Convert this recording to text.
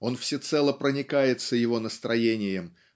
он всецело проникается его настроением